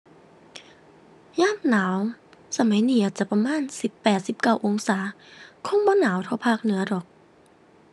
ยามหนาวสมัยนี้อาจจะประมาณสิบแปดสิบเก้าองศา คงบ่หนาวเท่าภาคเหนือดอก